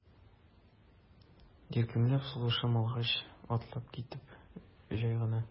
Иркенләп сулышым алгач, атлап китәм җай гына.